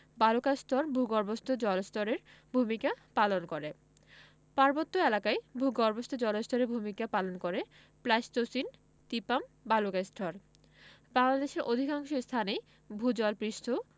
বালুকাস্তর ভূগর্ভস্থ জলস্তরের ভূমিকা পালন করে পার্বত্য এলাকায় ভূগর্ভস্থ জলস্তরের ভূমিকা পালন করে প্লাইসটোসিন টিপাম বালুকাস্তর বাংলাদেশের অধিকাংশ স্থানেই ভূ জল পৃষ্ঠ